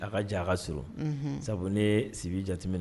A ka jan a ka surun, unhun, sabu n'i ye Sibi jateminɛ